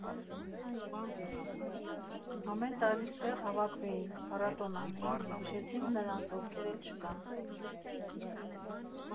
Ամեն տարի ստեղ հավաքվեինք, փառատոն անեինք, հիշեցինք նրանց, ովքեր էլ չկան։